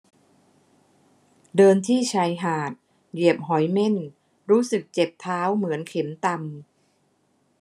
เดินที่ชายหาดเหยียบหอยเม่นรู้สึกเจ็บเท้าเหมือนเข็มตำ